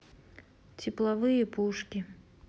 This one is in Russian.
тепловые пушки